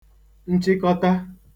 nchịkọta